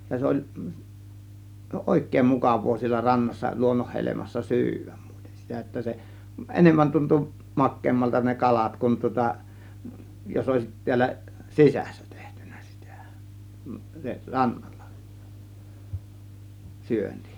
ja se oli oikein mukavaa siellä rannassa luonnonhelmassa syödä muuten sitä että se enemmän tuntui makeammalta ne kalat kun tuota jos olisi täällä sisässä tehty sitä se rannalla syönti